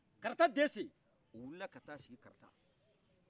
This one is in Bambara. karata dese o wilila ka sigi karata